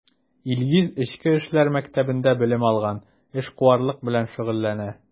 Илгиз Эчке эшләр мәктәбендә белем алган, эшкуарлык белән шөгыльләнә.